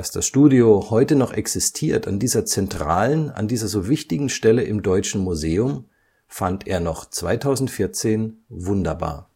das Studio „ heute noch existiert, an dieser zentralen, an dieser so wichtigen Stelle im Deutschen Museum “, fand er noch 2014 „ wunderbar